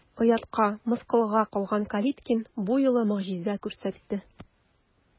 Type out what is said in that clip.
Оятка, мыскылга калган Калиткин бу юлы могҗиза күрсәтте.